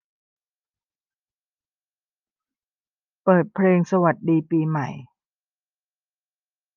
เปิดเพลงสวัสดีปีใหม่